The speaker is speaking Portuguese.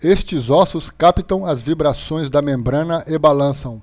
estes ossos captam as vibrações da membrana e balançam